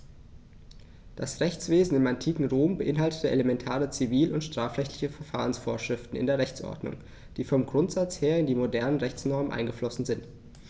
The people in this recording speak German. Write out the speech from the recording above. Das Rechtswesen im antiken Rom beinhaltete elementare zivil- und strafrechtliche Verfahrensvorschriften in der Rechtsordnung, die vom Grundsatz her in die modernen Rechtsnormen eingeflossen sind.